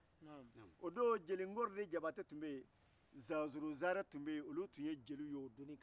o don jeli nkɔrinin jabate ni zaazuruzarɛ tun ye jeli ye o donnin kama